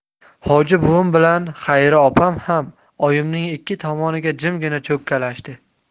hoji buvi bilan xayri opa ham oyimning ikki tomoniga jimgina cho'kkalashdi